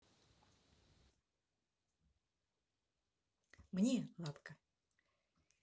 мне лапка